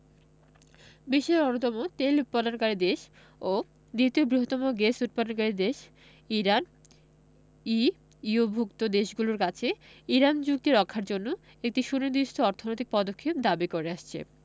বিশ্বের অন্যতম তেল উৎপাদনকারী দেশ ও দ্বিতীয় বৃহত্তম গ্যাস উৎপাদনকারী দেশ ইরান ইইউভুক্ত দেশগুলোর কাছে ইরান চুক্তি রক্ষার জন্য একটি সুনির্দিষ্ট অর্থনৈতিক পদক্ষেপ দাবি করে আসছে